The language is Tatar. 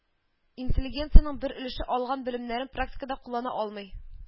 Интеллигенциянең бер өлеше алган белемнәрен практикада куллана алмый